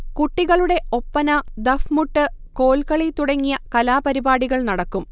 കുട്ടികളുടെ ഒപ്പന, ദഫ്മുട്ട്, കോൽകളി തുടങ്ങിയ കലാപരിപാടികൾ നടക്കും